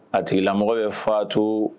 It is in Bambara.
A tigila mɔgɔ bɛ fatu